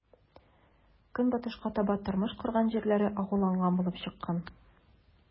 Көнбатышка таба тормыш корган җирләре агуланган булып чыккан.